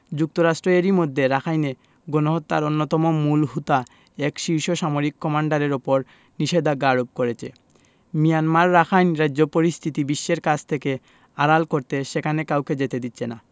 যুক্তরাষ্ট্র এরই মধ্যে রাখাইনে গণহত্যার অন্যতম মূল হোতা এক শীর্ষ সামরিক কমান্ডারের ওপর নিষেধাজ্ঞা আরোপ করেছে মিয়ানমার রাখাইন রাজ্য পরিস্থিতি বিশ্বের কাছ থেকে আড়াল করতে সেখানে কাউকে যেতে দিচ্ছে না